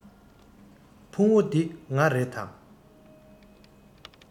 ཕུང བོ འདི ང རེད དམ